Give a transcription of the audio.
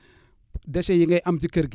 déchets yi ngay am ci kër gi